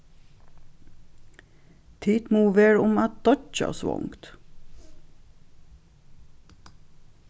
tit mugu vera um at doyggja av svongd